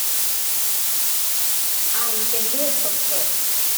ไอเป็นเลือดสดสด